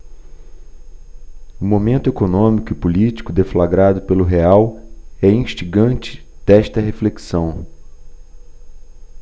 o momento econômico e político deflagrado pelo real é instigante desta reflexão